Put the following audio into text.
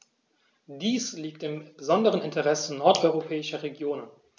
Dies liegt im besonderen Interesse nordeuropäischer Regionen.